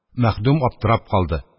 Мәхдүм аптырап калды